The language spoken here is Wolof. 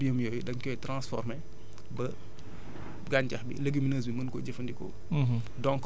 résubium yooyu dañ koy transformés ba gàncax bi légumineuses bi mën ko jëfandikoo